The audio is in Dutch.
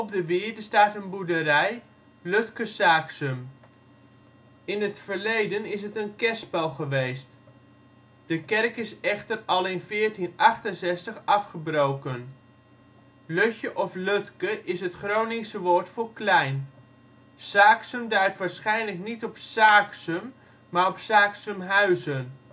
de wierde staat een boerderij: Lutke Saaksum. In het verre verleden is het een kerspel geweest. De kerk is echter al in 1468 afgebroken. Lutje of lutke is het Groningse woord voor klein. Saaksum duidt waarschijnlijk niet op Saaksum, maar op Saaxumhuizen